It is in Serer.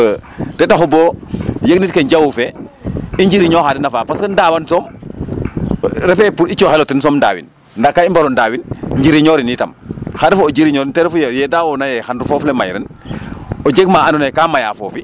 Donc ten taxu bo yegnit ke jawu fe i njirñooxa teen a paax parce que ndaawan soom refee yee pour i cooxel o ten rek ndaawin ndaa ka i mbar o ndaawin njiriñoorin itam xar refu o jiriñoorin ten refu yee ye daawoona xan foof le may ren o jeg ma andoona yee kaa mayaa foofi o faña xoox maaga. ka andoona yee bugee foof fa mayu.